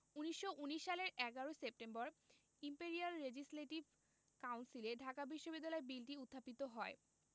১৯১৯ সালের ১১ September imperial legislative কাউন্সিলে ঢাকা বিশ্ববিদ্যালয় বিলটি উত্থাপিত হয়